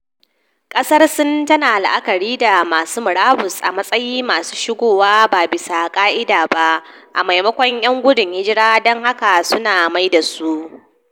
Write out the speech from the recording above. Kasar Sin ta na la'akari da masu murabus a matsayin masu shigowa ba bisa ka’ida ba a maimakon 'yan gudun hijira dan haka su na mai da su.